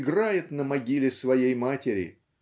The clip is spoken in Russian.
играет на могиле своей матери.